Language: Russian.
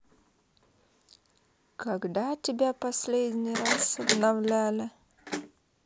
когда тебя последний раз обновляли